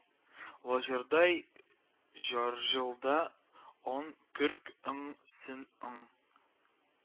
Лаҗылдай җар җылда ан көрк ың сен ың